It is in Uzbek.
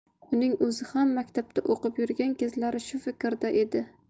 uning o'zi ham maktabda o'qib yurgan kezlari shu fikrda edi